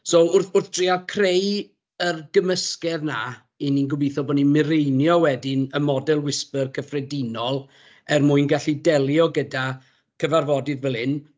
so wrth wrth trial creu yr gymysgedd 'na 'y ni'n gobeitho bod ni'n mireinio wedyn y model Whisper cyffredinol er mwyn gallu delio gyda cyfarfodydd fel hyn.